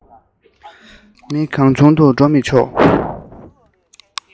མི གང བྱུང འགྲོ མི ཆོག